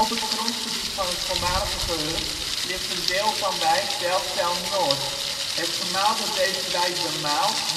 het grondgebied van het voormalige gehucht ligt een deel van wijk Delfzijl-Noord. Het gemaal dat deze wijk bemaalt